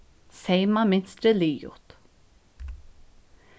seyma mynstrið liðugt